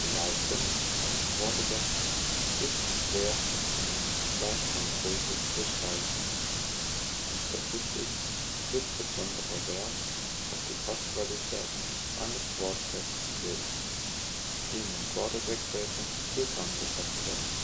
Leistung eines Quarterbacks ist nur schwer in einer vergleichbaren Größe zu beschreiben. In Statistiken wird besonderer Wert auf die Passqualitäten eines Quarterbacks gelegt, die in dem Quarterback Rating zusammengefasst werden